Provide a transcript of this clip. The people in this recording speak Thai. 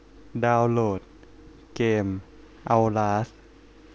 ดาวโหลดเกมเอ้าลาส